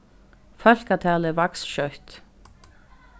fólkatalið vaks skjótt